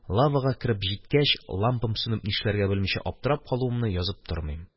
Лавага кереп җиткәч лампам сүнеп, нишләргә белмичә аптырап калуымны язып тормыйм